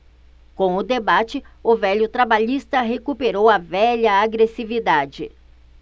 com o debate o velho trabalhista recuperou a velha agressividade